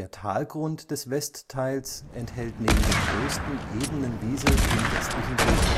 Talgrund des Westteils enthält neben der größten ebenen Wiese den westlichen See